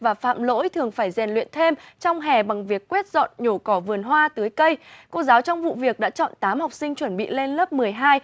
và phạm lỗi thường phải rèn luyện thêm trong hè bằng việc quét dọn nhổ cỏ vườn hoa tưới cây cô giáo trong vụ việc đã chọn tám học sinh chuẩn bị lên lớp mười hai